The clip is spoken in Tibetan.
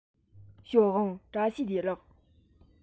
ཞའོ ཝང བཀྲ ཤིས བདེ ལེགས